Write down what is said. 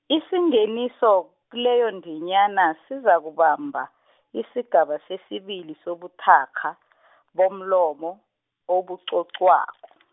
isingeniso, kileyondinyana sizokubamba, isigaba sesibili sobuthakgha , bomlomo, obucocwako.